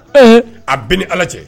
Ɛɛ a bɛn ni ala cɛ